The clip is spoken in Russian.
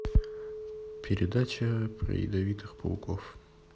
передача про ядовитых пауков